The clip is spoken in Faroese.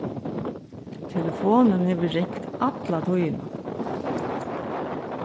telefonin hevur ringt alla tíðina